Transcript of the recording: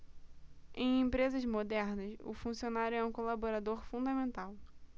em empresas modernas o funcionário é um colaborador fundamental